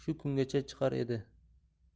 shu kungacha chiqar edi